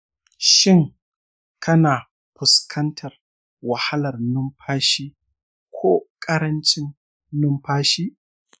shin kana fuskantar wahalar numfashi ko ƙarancin numfashi?